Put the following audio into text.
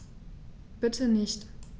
Bitte nicht.